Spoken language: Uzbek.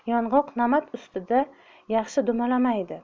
yong'oq namat ustida yaxshi dumalamaydi